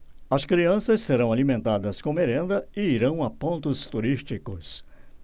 as crianças serão alimentadas com merenda e irão a pontos turísticos